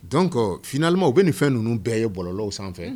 Don finalima u bɛ nin fɛn ninnu bɛɛ ye bɔlɔlaw sanfɛ